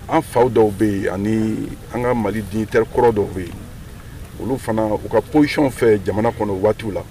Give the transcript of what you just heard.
An faw dɔw bɛ yen ani an ka Mali dignitaire kɔrɔ dɔw bɛ yen. Olu fana, u ka position fɛ jamana kɔnɔ, o waatiw la.